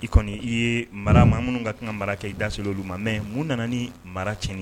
I kɔni i ye mara maa minnu ka kan ka mara kɛ i daso olu ma mɛ mun nana ni maracinin